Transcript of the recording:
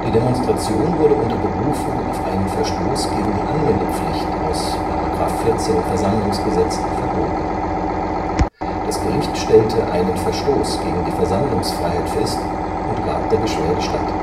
Demonstration wurde unter Berufung auf einen Verstoß gegen die Anmeldepflicht aus § 14 VersammlG verboten. Das Gericht stellte einen Verstoß gegen die Versammlungsfreiheit fest und gab der Beschwerde statt